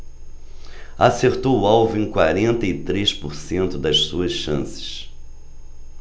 acertou o alvo em quarenta e três por cento das suas chances